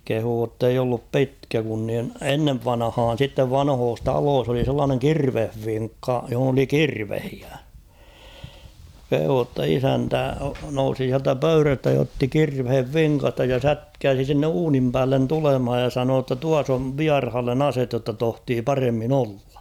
kehui että ei ollut pitkä kun niin ennen vanhaan sitten vanhoissa taloissa oli sellainen kirvesvinkka jossa oli kirveitä kehui jotta isäntä nousi sieltä pöydästä ja otti kirveen vinkasta ja sätkäisi sinne uunin päälle tulemaan ja sanoi jotta tuossa on vieraalle ase jotta tohtii paremmin olla